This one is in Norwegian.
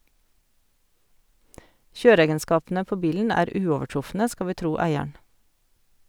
Kjøreegenskapene på bilen er uovertrufne, skal vi tro eieren.